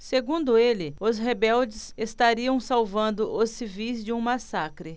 segundo ele os rebeldes estariam salvando os civis de um massacre